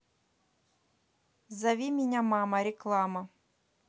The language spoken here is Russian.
зови меня мама реклама